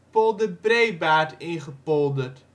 polder Breebaart ingepolderd